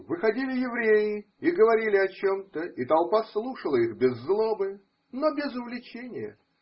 Выходили евреи и говорили о чем-то, и толпа слушала их без злобы, но без увлечения